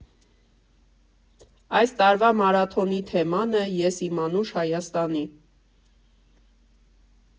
Այս տարվա մարաթոնի թեման է «Ես իմ անուշ Հայաստանի…